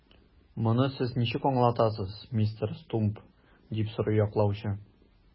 Моны сез ничек аңлатасыз, мистер Стумп? - дип сорый яклаучы.